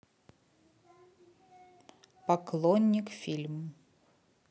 поклонник фильм